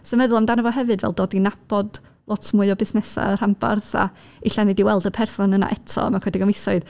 So meddwl amdano fo hefyd fel dod i nabod lot mwy o busnesa'r rhanbarth, a ella wnei di weld y person yna eto mewn ychydig o misoedd.